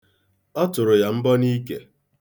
Ọ tụrụ ya mbọ n'ike.